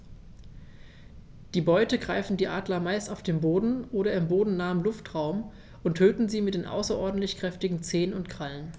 Die Beute greifen die Adler meist auf dem Boden oder im bodennahen Luftraum und töten sie mit den außerordentlich kräftigen Zehen und Krallen.